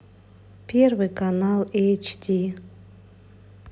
первый канал эйч ди